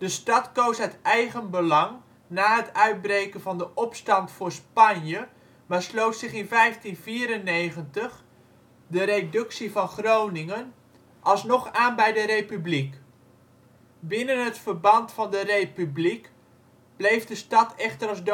stad koos uit eigen belang na het uitbreken van de opstand voor Spanje, maar sloot zich in 1594, de reductie van Groningen, alsnog aan bij de Republiek. Binnen het verband van de Republiek bleef de stad echter